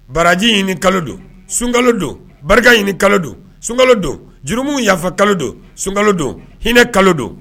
Baraji ɲini kalo don sunka don barika ɲini kalo don sunka don juruw yafa kalo don sunka don hinɛinɛ kalo don